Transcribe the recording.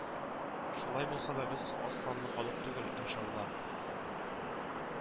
Шулай булса да, без аз санлы халык түгел, иншалла